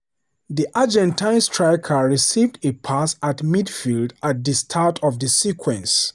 The Argentine striker received a pass at midfield at the start of the sequence.